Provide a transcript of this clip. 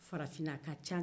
farafinna a ka ca